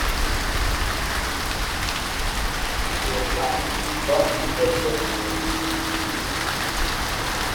ปวดไหล่เพราะมีคนเดินชน